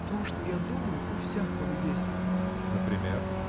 — То, что я думаю, у всякого есть. — Например?